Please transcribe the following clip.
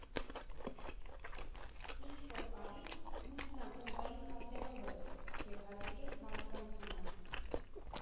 Ինչ֊որ պահից մուտքն ակումբային քարտերով էր և հատուկենտ մարդկանց համար։